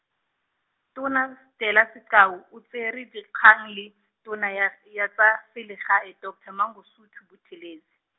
Tona, Stella Sigcau, o tsere dikgang le, tona ya, ya tsa, selegae doctor Mangosuthu Buthelezi.